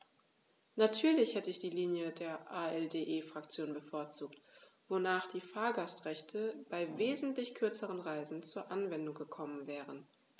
Natürlich hätte ich die Linie der ALDE-Fraktion bevorzugt, wonach die Fahrgastrechte bei wesentlich kürzeren Reisen zur Anwendung gekommen wären.